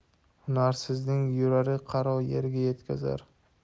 hunarsizning yurari qaro yerga yetkazar